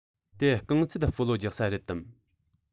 དེ རྐང རྩེད སྤོ ལོ རྒྱག ས རེད དམ